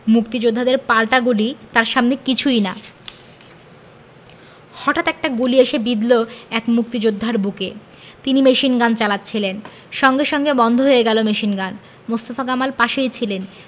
মুক্তিযোদ্ধাদের পাল্টা গুলি তার সামনে কিছুই না হতাৎ একটা গুলি এসে বিঁধল এক মুক্তিযোদ্ধার বুকে তিনি মেশিনগান চালাচ্ছিলেন সঙ্গে সঙ্গে বন্ধ হয়ে গেল মেশিনগান মোস্তফা কামাল পাশেই ছিলেন